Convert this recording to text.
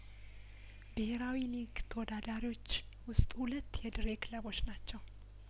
ብሄራዊ ሊግ ተወዳዳሪዎች ውስጥ ሁለት የድሬ ክለቦች ናቸው